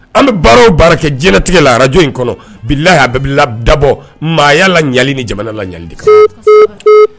An bɛ baaraw baara kɛ jɛnɛtigɛ la arajo in kɔnɔ bilaya bɛɛ dabɔ maaya la ɲali ni jamana lali kan